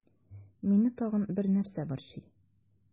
Мине тагын бер нәрсә борчый.